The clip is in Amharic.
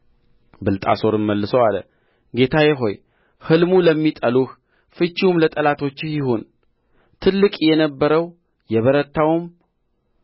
ብልጣሶርም መልሶ አለ ጌታዬ ሆይ ሕልሙ ለሚጠሉህ ፍቺውም ለጠላቶችህ ይሁን ትልቅ የነበረው የበረታውም